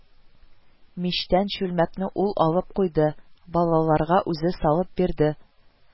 Мичтән чүлмәкне ул алып куйды, балаларга үзе салып бирде